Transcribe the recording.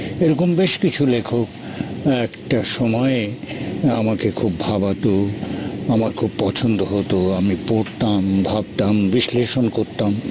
এরকম বেশ কিছু লেখক একটা সময় আমাকে খুব ভাবাতো আমার খুব পছন্দ হতো আমি পড়তাম ভাবতাম বিশ্লেষণ করতাম